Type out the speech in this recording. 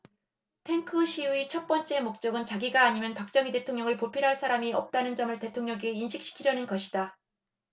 탱크 시위의 첫 번째 목적은 자기가 아니면 박정희 대통령을 보필할 사람이 없다는 점을 대통령에게 인식시키려는 것이다